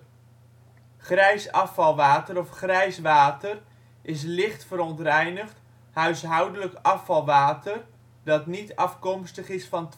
Grijs afvalwater of grijs water is (licht verontreinigd) huishoudelijk afvalwater dat niet afkomstig is van